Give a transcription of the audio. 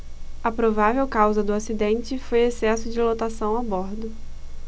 a provável causa do acidente foi excesso de lotação a bordo